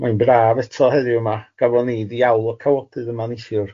Mae'n braf eto heddiw ma gafon ni ddiawl o cawodydd yma nithiwr.